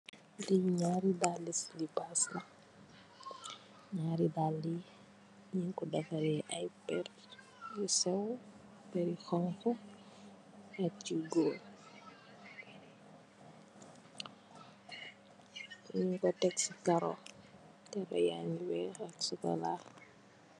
Ñaari dalli silipàs la, ñaari dalla yi ñiñ ko deffareh ay pér yu séw, pééri xonxu ak yu góól, ñiñ ko tek ci karó, karó ya ngi wèèx ak sokola.